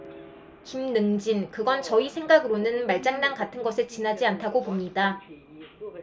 김능진 그건 저희 생각으로는 말장난 같은 것에 지나지 않다고 봅니다